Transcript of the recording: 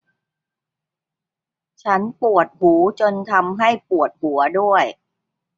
ฉันปวดหูจนทำให้ปวดหัวด้วย